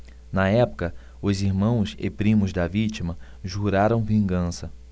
na época os irmãos e primos da vítima juraram vingança